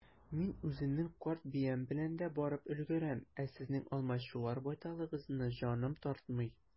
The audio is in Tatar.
Мин үземнең карт биям белән дә барып өлгерәм, ә сезнең алмачуар байталыгызны җаным тартмый.